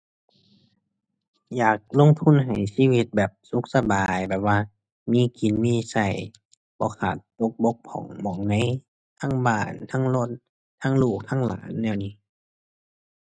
อยากลงทุนให้ชีวิตแบบสุขสบาย แบบว่ามีกินมีใช้ บ่ขาดตกบกพร่องหม้องไหน ทั้งบ้าน ทั้งรถ ทั้งลูก ทั้งหลาน แนวนี้